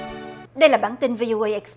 đây là bản tin vi ô ây ịch